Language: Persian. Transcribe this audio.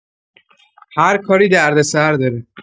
هر کاری دردسر داره.